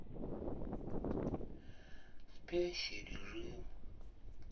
спящий режим